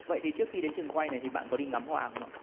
vậy thì trước khi đến trường quay này thì bạn có đi ngắm hoa không ạ